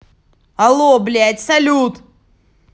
алло блядь салют